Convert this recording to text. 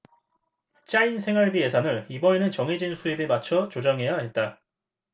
짜인 생활비 예산을 이번에는 정해진 수입에 맞춰 조정해야 했다